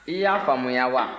i y'a faamuya wa